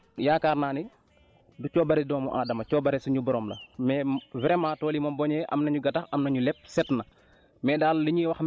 mais li ci des daal yaakaar naa ne du coobara doomu Adama coobare suñu borom la mais vraiment tool yi moom boo ñëwee am nañu gattax am nañu lépp set na